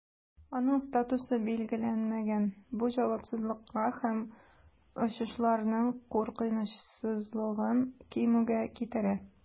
Аның статусы билгеләнмәгән, бу җавапсызлыкка һәм очышларның куркынычсызлыгын кимүгә китерә.